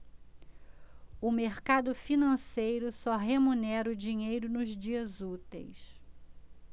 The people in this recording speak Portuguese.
o mercado financeiro só remunera o dinheiro nos dias úteis